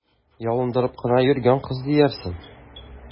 Ялындырып кына йөргән кыз диярсең!